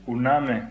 u n'a mɛn